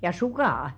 ja sukat